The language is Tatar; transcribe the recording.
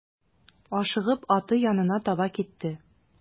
Ашыгып аты янына таба китте.